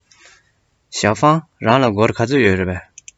ཞའོ ཧྥང རང ལ སྒོར ག ཚོད ཡོད པས